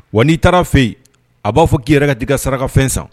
Wa n'i taar'a fe ye a b'a fɔ k'i yɛrɛ ka t'i ka sarakafɛn san